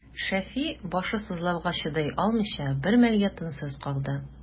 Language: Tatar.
Шәфи, башы сызлауга чыдый алмыйча, бер мәлгә тынсыз калды.